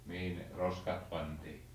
mihin roskat pantiin